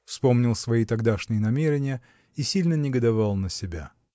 вспомнил свои тогдашние намерения и сильно негодовал на себя.